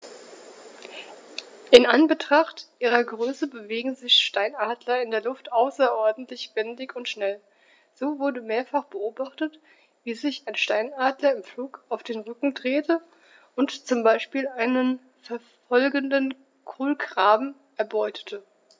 In Anbetracht ihrer Größe bewegen sich Steinadler in der Luft außerordentlich wendig und schnell, so wurde mehrfach beobachtet, wie sich ein Steinadler im Flug auf den Rücken drehte und so zum Beispiel einen verfolgenden Kolkraben erbeutete.